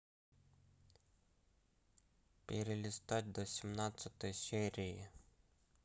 перелистать до семнадцатой серии